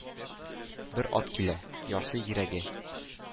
Бер ат килә, ярсый йөрәге.